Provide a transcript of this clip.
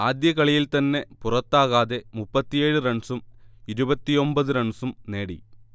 ആദ്യ കളിയിൽ തന്നെ പുറത്താകാതെ മുപ്പത്തിയേഴ് റൺസും ഇരുപത്തിയൊമ്പത് റൺസും നേടി